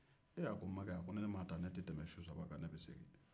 ee a ko n'makɛ a ko ne mana taa ne tɛ tɛmɛ su saba kan n'bɛ segin